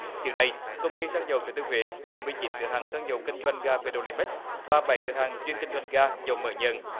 hiện nay công ty xăng dầu thừa thiên huế có mười chín cửa hàng xăng dầu kinh doanh ga pê trô li mếch và bảy cửa hàng chuyên kinh doanh ga dầu mỡ nhờn